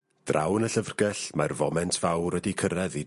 Draw yn y llyfrgell mae'r foment fawr wedi cyrredd i...